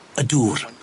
Y dŵr.